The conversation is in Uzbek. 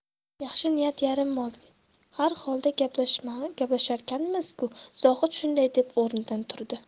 yaxshi niyat yarim mol harholda gaplasharkanmiz ku zohid shunday deb o'rnidan turdi